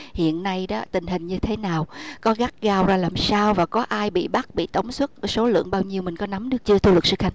hiện nay đó tình hình như thế nào có gắt gao ra làm sao mà có ai bị bắt bị tống xuất với số lượng bao nhiêu mình có nắm được chưa thưa luật sư khanh